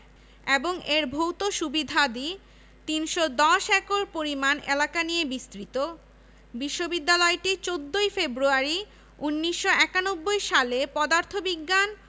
শাহ্জালাল বিজ্ঞান ও প্রযুক্তি বিশ্ববিদ্যালয় শাহ্জালাল বিজ্ঞান ও প্রযুক্তি বিশ্ববিদ্যালয় বাংলাদেশের অন্যতম উচ্চশিক্ষা প্রতিষ্ঠান গণপ্রজাতন্ত্রী বাংলাদেশ সরকারের